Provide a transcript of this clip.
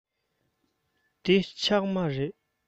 འདི ཕྱགས མ རེད